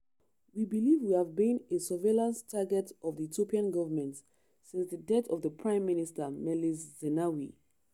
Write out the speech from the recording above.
We believe we have been a surveillance target of the Ethiopian government since the death of the Prime Minister Meles Zenawi.